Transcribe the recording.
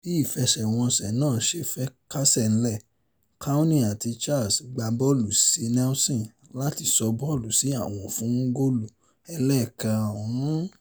Bí ìfẹsẹ̀wọnsẹ̀ náà ṣe fẹ kásẹ̀ nílẹ̀ Cownie àti Charles gbá bọ́ọ̀lù sí Nielsen láti sọ bọ́ọ̀lù sí àwọ̀n fún góòlù ẹlẹ́kaarùn-ún.